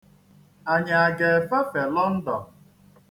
Anyị aga-efefe London?